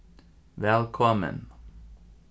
vælkomin